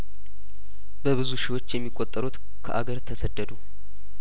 በብዙ ሺዎች የሚቆጠሩት ከአገር ተሰደዱ